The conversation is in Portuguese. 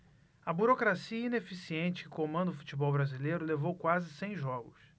a burocracia ineficiente que comanda o futebol brasileiro levou quase cem jogos